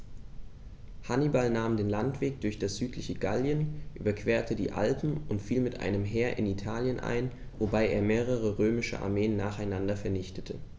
Hannibal nahm den Landweg durch das südliche Gallien, überquerte die Alpen und fiel mit einem Heer in Italien ein, wobei er mehrere römische Armeen nacheinander vernichtete.